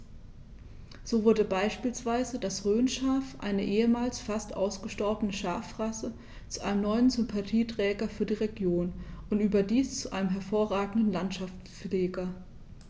So wurde beispielsweise das Rhönschaf, eine ehemals fast ausgestorbene Schafrasse, zu einem neuen Sympathieträger für die Region – und überdies zu einem hervorragenden Landschaftspfleger.